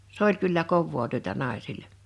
se oli kyllä kovaa työtä naisille